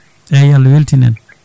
eyyi yo Allah weltin en